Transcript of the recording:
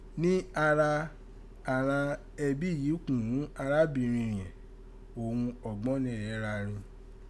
Ni ara àghan ẹbi èyí kù ghún arabinrin yẹ̀n òghun ògbọ́nnẹ rẹ gha rin.